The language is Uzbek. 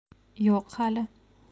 yo'q hali